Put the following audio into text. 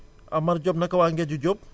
amar Diop naka waa Ndeji diop